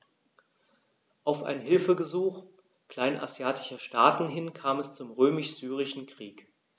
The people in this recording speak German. Auf ein Hilfegesuch kleinasiatischer Staaten hin kam es zum Römisch-Syrischen Krieg.